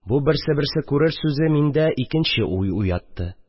Бу «берсе-берсе күрер» сүзе миндә икенче уй уятты